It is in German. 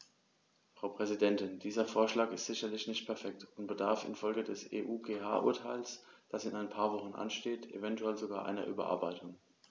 Frau Präsidentin, dieser Vorschlag ist sicherlich nicht perfekt und bedarf in Folge des EuGH-Urteils, das in ein paar Wochen ansteht, eventuell sogar einer Überarbeitung.